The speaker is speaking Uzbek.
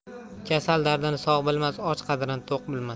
kasal dardini sog' bilmas och qadrini to'q bilmas